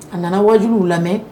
A nana wajibiw lamɛn